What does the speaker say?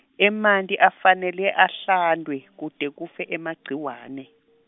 emanti afanele ahlantwe, kute kufe emagciwane.